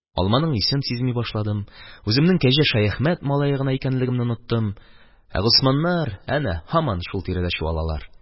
Алманың исен сизми башладым, үземнең Кәҗә Шаяхмәт малае гына икәнлегемне оныттым, ә Госманнар әнә һаман шул тирәдә чуалалар.